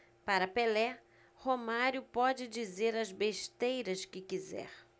para pelé romário pode dizer as besteiras que quiser